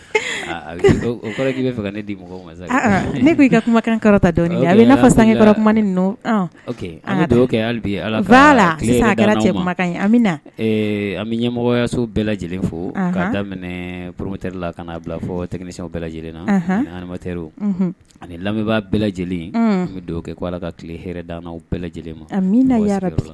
Ne i ka kuma karatata a n'a san an ka kɛbi ala an bɛ ɲɛmɔgɔyaso bɛɛ lajɛlen fo k'a daminɛ poromoteri la ka bila fɔ tɛyɛnw bɛɛ lajɛlen na anitɛrro ani lamɛnbaa bɛɛ lajɛlen bɛ dɔw kɛ k' ala ka tile hd bɛɛ lajɛlen ma